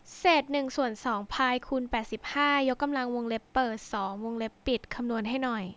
เศษหนึ่งส่วนสองพายคูณแปดสิบห้ายกกำลังวงเล็บเปิดสองวงเล็บปิดคำนวณให้หน่อย